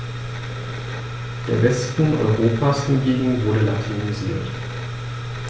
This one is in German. Der Westen Europas hingegen wurde latinisiert.